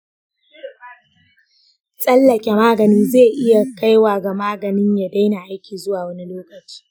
tsallake magani zai iya kaiwa ga maganin ya daina aiki zuwa wani lokaci.